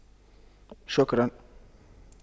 شكرا